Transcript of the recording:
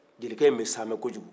jelikɛ in bɛ saamɛ kojugu